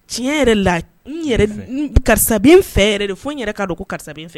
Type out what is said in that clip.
Tiɲɛ yɛrɛ la karisa in fɛ fo n yɛrɛ'a don ko karisa fɛ